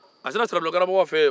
a sera sirabilenkaramɔgɔ fɛ yen